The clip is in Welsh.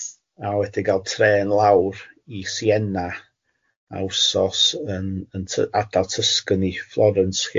A wedyn gal trên lawr i Sienna a wsos yn yn t- ardal Tysgwni Florence lly.